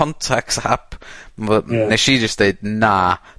...contacts ap ma'... Ia. ...nesh i jyst deud na.